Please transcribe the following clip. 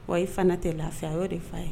Wa i fana tɛ lafiya a yeo de fa ye